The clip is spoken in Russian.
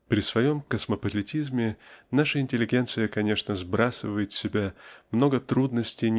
При своем космополитизме наша интеллигенция конечно сбрасывает с себя много трудностей